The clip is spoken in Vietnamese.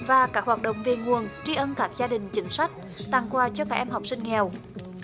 và các hoạt động về nguồn tri ân các gia đình chính sách tặng quà cho các em học sinh nghèo